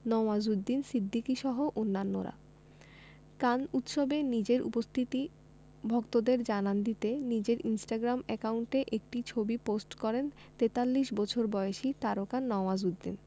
নওয়াজুদ্দিন সিদ্দিকীসহ অন্যানরা কান উৎসবে নিজের উপস্থিতি ভক্তদের জানান দিতে নিজের ইনস্টাগ্রাম অ্যাকাউন্টে একটি ছবি পোস্ট করেন ৪৩ বছর বয়সী তারকা নওয়াজুদ্দিন